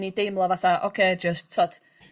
ni deimlo fatha ocê jyst t'od